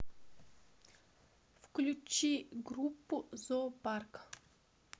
включи группу зоопарк